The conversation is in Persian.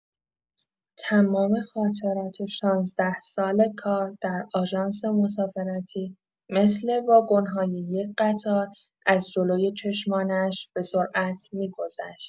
تمام خاطرات شانزده سال کار در آژانس مسافرتی مثل واگن‌های یک قطار از جلوی چشمانش به‌سرعت می‌گذشت.